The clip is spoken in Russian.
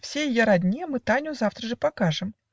Всей ее родне Мы Таню завтра же покажем.